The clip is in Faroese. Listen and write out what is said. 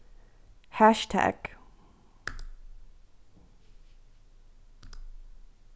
hassjtagg